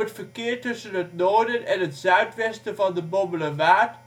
verkeer tussen het noorden en het zuidwesten van de Bommelerwaard